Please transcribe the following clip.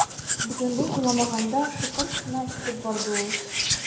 Бөтенләй уйламаганда шыпырт кына китеп барды ул.